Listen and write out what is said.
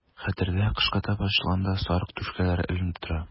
Хәтердә, кышка таба чоланда сарык түшкәләре эленеп тора.